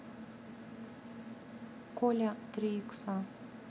коля три икса